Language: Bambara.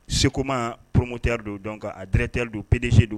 SECOMA promoteur don donc a directeur don PDG don